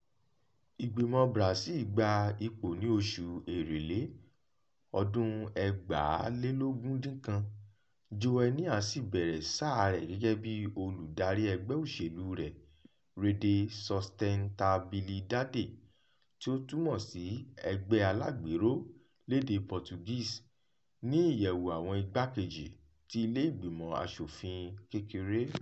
Ìgbìmọ̀ Brazil gba ipò ní oṣù Èrèlé 2019, Joênia sì bẹ̀rẹ̀ sáà rẹ̀ gẹ́gẹ́ bí olùdarí ẹgbẹ́ òṣèlú rẹ̀, Rede Sustentabilidade (tí ó túmọ̀ sí Ẹgbẹ́ Alágbèéró lédè Portuguese) ní ìyẹ̀wù àwọn igbá-kejì ti ilé ìgbìmọ̀ aṣòfin kékeré.